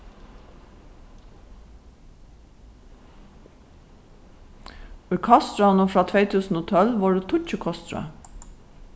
í kostráðunum frá tvey túsund og tólv vóru tíggju kostráð